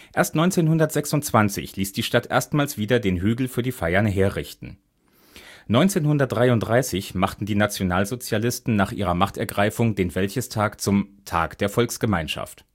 Erst 1926 ließ die Stadt erstmals wieder den Hügel für die Feiern herrichten. 1933 machten die Nationalsozialisten nach ihrer Machtergreifung den Wäldchestag zum Tag der Volksgemeinschaft